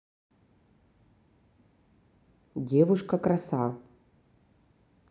девушка краса